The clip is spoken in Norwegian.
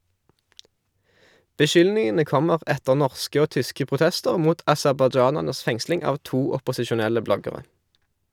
Beskyldningene kommer etter norske og tyske protester mot aserbajdsjanernes fengsling av to opposisjonelle bloggere.